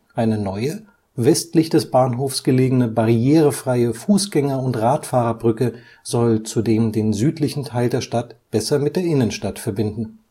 Eine neue, westlich des Bahnhofs gelegene barrierefreie Fußgänger - und Radfahrerbrücke soll zudem den südlichen Teil der Stadt besser mit der Innenstadt verbinden